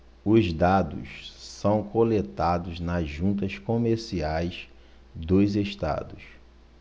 os dados são coletados nas juntas comerciais dos estados